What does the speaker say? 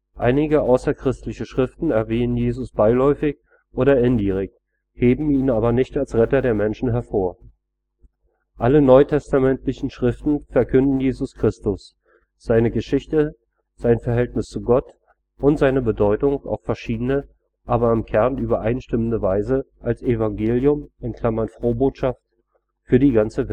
Einige außerchristliche Schriften erwähnen Jesus beiläufig oder indirekt, heben ihn aber nicht als Retter der Menschen hervor. Alle NT-Schriften verkünden Jesus Christus, seine Geschichte, sein Verhältnis zu Gott und seine Bedeutung auf verschiedene, aber im Kern übereinstimmende Weise als „ Evangelium “(Frohbotschaft) für die ganze